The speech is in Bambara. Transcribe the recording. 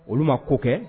Olu ma ko kɛ